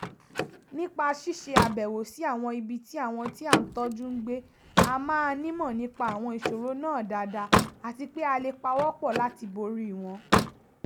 Nípa ṣíṣe àbẹ̀wò sí àwọn ibi tí àwọn tí à ń tọ́jú ń gbé a máa nímọ̀ nípa àwọn ìṣòro náà daada, àti pé a le pawọ́ pọ̀ láti borí wọn.